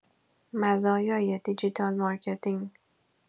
مزایای دیجیتال مارکتینگ